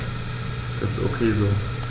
Das ist ok so.